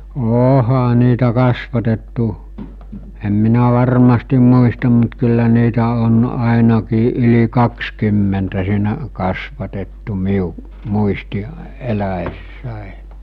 onhan niitä kasvatettu en minä varmasti muista mutta kyllä niitä on ainakin yli kaksikymmentä siinä kasvatettu minun muisti - eläessäni